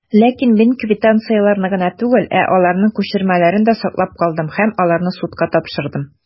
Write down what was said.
Ләкин мин квитанцияләрне генә түгел, ә аларның күчермәләрен дә саклап калдым, һәм аларны судка тапшырдым.